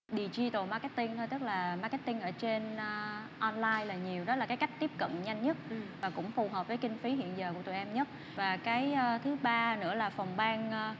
đì di tồ ma két tinh thôi tức là ma két tinh ở trên a on lai là nhiều đó là cái cách tiếp cận nhanh nhất và cũng phù hợp với kinh phí hiện giờ của tụi em nhất và cái thứ ba nữa là phòng ban